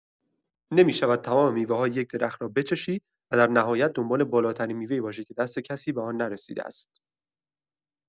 نمی‌شود تمام میوه‌های یک درخت را بچشی و در نهایت دنبال بالاترین میوه‌ای باشی که دست کسی به آن نرسیده است.